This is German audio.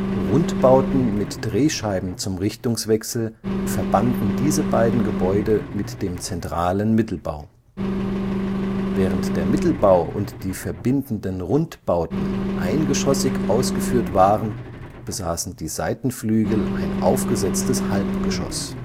Rundbauten mit Drehscheiben zum Richtungswechsel verbanden diese beiden Gebäude mit dem zentralen Mittelbau. Während der Mittelbau und die verbindenden Rundbauten eingeschossig ausgeführt waren, besaßen die Seitenflügel ein aufgesetztes Halbgeschoss